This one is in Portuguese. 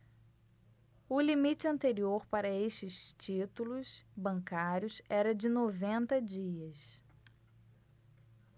o limite anterior para estes títulos bancários era de noventa dias